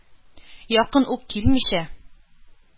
Якын ук килмичә,